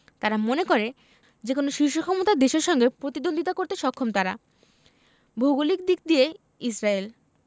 তারা মনে করে যেকোনো শীর্ষ ক্ষমতার দেশের সঙ্গে প্রতিদ্বন্দ্বিতা করতে সক্ষম তারা ভৌগোলিক দিক দিয়ে ইসরায়েল